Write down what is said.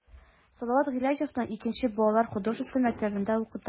Салават Гыйләҗетдинов 2 нче балалар художество мәктәбендә укыта.